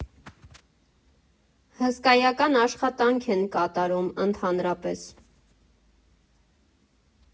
Հսկայական աշխատանք են կատարում ընդհանրապես։